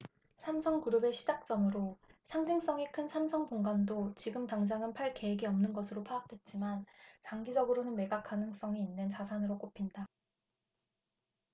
삼성그룹의 시작점으로 상징성이 큰 삼성본관도 지금 당장은 팔 계획이 없는 것으로 파악됐지만 장기적으로는 매각 가능성이 있는 자산으로 꼽힌다